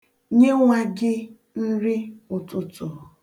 Nye nwa gị nriụtụtụ.